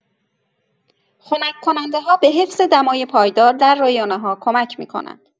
خنک‌کننده‌ها به حفظ دمای پایدار در رایانه‌ها کمک می‌کنند.